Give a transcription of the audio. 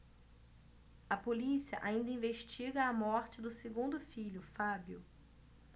a polícia ainda investiga a morte do segundo filho fábio